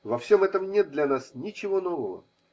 Во всем этом нет для нас ничего нового.